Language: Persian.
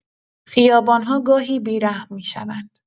خیابان‌ها گاهی بی‌رحم می‌شوند.